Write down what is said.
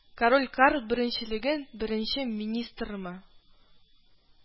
Король Карл Беренчелеген беренче министрынмы